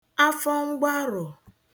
afọ ngwarụ̀